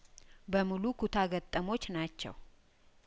በሙሉ ኩታ ገጠሞች ናቸው